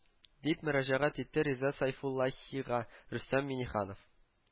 Дип мөрәҗәгать итте реза сәйфуллаһига рөстәм миңнеханов. -